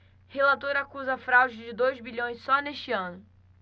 relator acusa fraude de dois bilhões só neste ano